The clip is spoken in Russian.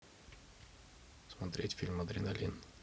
смотреть фильм адреналин